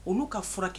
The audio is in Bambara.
Olu ka furakɛ